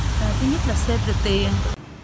được được tiền